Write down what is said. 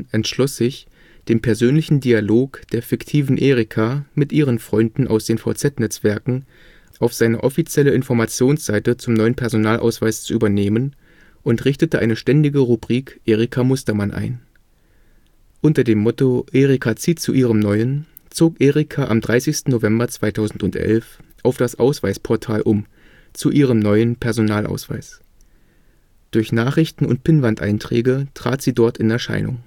entschloss sich, den persönlichen Dialog der fiktiven Erika mit ihren Freunden aus den VZ Netzwerken auf seine offiziellen Informationsseite zum neuen Personalausweis zu übernehmen und richtete eine ständige Rubrik Erika Mustermann ein. Unter dem Motto „ Erika zieht zu ihrem Neuen “zog Erika am 30. November 2011 auf das Ausweisportal um, „ zu ihrem Neuen (Personalausweis) “. Durch Nachrichten und Pinnwandeinträge trat sie dort in Erscheinung